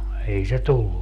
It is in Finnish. ei se tullut